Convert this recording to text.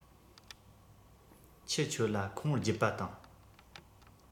ཁྱི ཁྱོད ལ ཁུངས བརྒྱུད པ དང